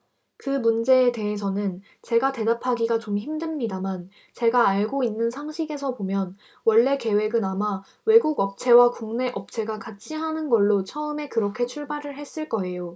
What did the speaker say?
그 문제에 대해서는 제가 대답하기가 좀 힘듭니다만 제가 알고 있는 상식에서 보면 원래 계획은 아마 외국 업체와 국내 업체가 같이 하는 걸로 처음에 그렇게 출발을 했을 거예요